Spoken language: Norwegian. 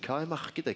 kva er marknaden?